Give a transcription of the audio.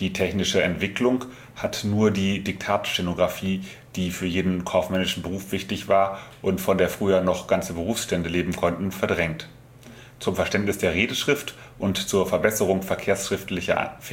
technische Entwicklung hat nur die Diktatstenographie, die für jeden kaufmännischen Beruf wichtig war und von der früher noch ganze Berufstände leben konnten, verdrängt. Zum Verständnis der Redeschrift und zur Verbesserung verkehrsschriftlicher